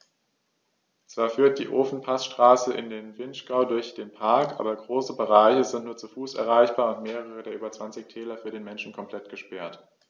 Zwar führt die Ofenpassstraße in den Vinschgau durch den Park, aber große Bereiche sind nur zu Fuß erreichbar und mehrere der über 20 Täler für den Menschen komplett gesperrt.